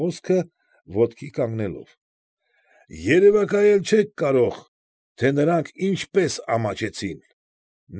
Խոսքը, ոտքի կանգնելով,֊ երևակայել չեք կարող, թե նրանք ինչպես ամաչեցին։